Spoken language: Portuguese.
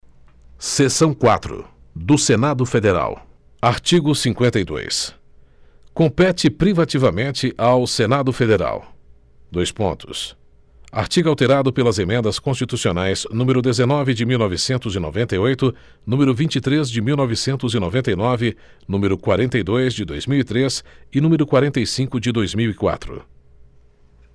seção quatro do senado federal artigo cinquenta e dois compete privativamente ao senado federal dois pontos artigo alterado pelas emendas constitucionais número dezenove de mil novecentos e noventa e oito número vinte e três de mil novecentos e noventa e nove número quarenta e dois de dois mil e três e número quarenta e cinco de dois mil e quatro